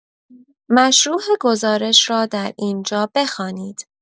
مشروح گزارش را در اینجا بخوانید